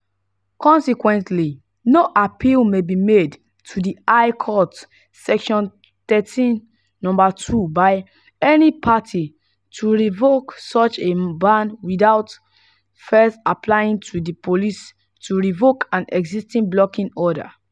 Consequently, "no appeal may be made to the High Court" [Section 13(2)] by any party to revoke such a ban without first applying to the police to revoke an existing blocking order.